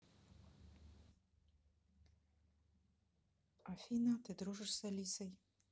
афина ты дружишь с алисой